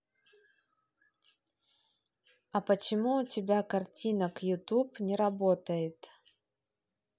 а почему у тебя картинок youtube не работает